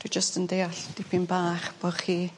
dwi jyst yn deall dipyn bach bo' chi...